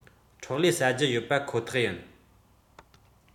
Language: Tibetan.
ཁྲོག ལེ ཟ རྒྱུ ཡོད པ ཁོ ཐག ཡིན